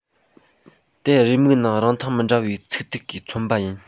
དེ རེའུ མིག ནང རིང ཐུང མི འདྲ བའི ཚེག ཐིག གིས མཚོན པ ཡིན